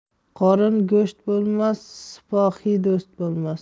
qorin go'sht bo'lmas sipohi do'st